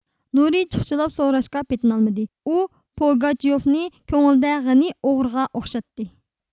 نۇرى چۇخچىلاپ سوراشقا پېتىنالمىدى ئۇ پوگاچيوفنى كۆڭلىدە غېنى ئوغرىغا ئوخشاتتى